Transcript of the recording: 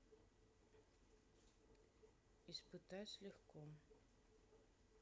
испытать легко